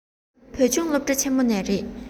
བོད ལྗོངས སློབ གྲྭ ཆེན མོ ནས རེད